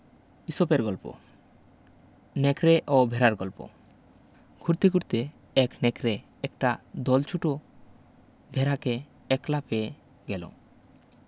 ইসপের গল্প নেকড়ে ও ভেড়ার গল্প ঘুরতে ঘুরতে এক নেকড়ে একটা দলছুট ভেড়াকে একলা পেয়ে গেল